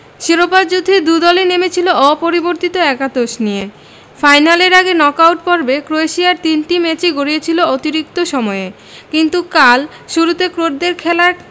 শিরোপা যুদ্ধে দু দলই নেমেছিল অপরিবর্তিত একাদশ নিয়ে ফাইনালের আগে নকআউট পর্বে ক্রোয়েশিয়ার তিনটি ম্যাচই গড়িয়েছিল অতিরিক্ত সময়ে কিন্তু কাল শুরুতে ক্রোটদের খেলায়